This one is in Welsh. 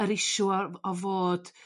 yr issue yy o fod